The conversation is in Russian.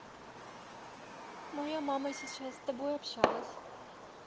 моя мама сейчас с тобой общалась